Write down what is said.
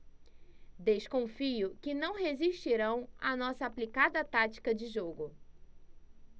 desconfio que não resistirão à nossa aplicada tática de jogo